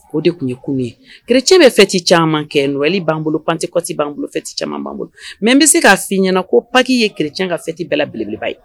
O de tun ye kunun ye kereccɛ bɛ fɛti caman kɛ n nɔgɔyali b'an bolo pante coti b'an boloti caman b'an bolo mɛ bɛ se k'a si ɲɛna ko paki ye kerec ka fiti bɛɛ b bileneleliba ye